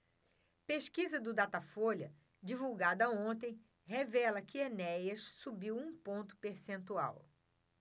pesquisa do datafolha divulgada ontem revela que enéas subiu um ponto percentual